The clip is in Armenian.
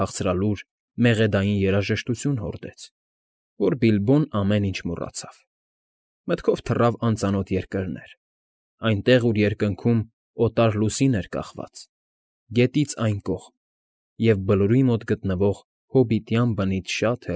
Քաղցրալուր, մեղեդային երաժշտություն հորդեց, որ Բիլբոն ամեն ինչ մոռացավ. մտքով թռավ անծանոթ երկրներ, այնտեղ, ուր երկնքում օտար լուսին էր կախված՝ Գետից Այն Կողմ և Բլուրի մոտ գնտվող հոբիտյան բնից շատ։